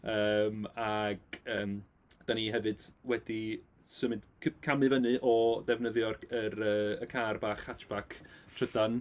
Yym ac yym dan ni hefyd wedi symud c- cam i fyny o ddefnyddio'r yr yy y car bach hatchback trydan.